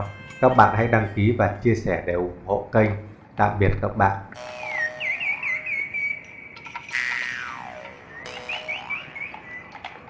các bạn hãy đăng ký và chia sẻ để ủng hộ kênh tạm biệt các bạn